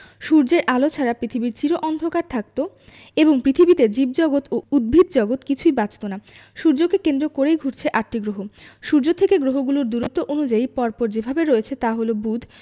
সূর্যের আলো ছাড়া পৃথিবী চির অন্ধকার থাকত এবং পৃথিবীতে জীবজগত ও উদ্ভিদজগৎ কিছুই বাঁচত না সূর্যকে কেন্দ্র করে ঘুরছে আটটি গ্রহ সূর্য থেকে গ্রহগুলো দূরত্ব অনুযায়ী পর পর যেভাবে রয়েছে তা হলো বুধ